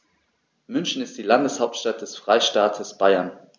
München ist die Landeshauptstadt des Freistaates Bayern.